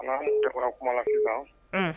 A jamana kumala sisan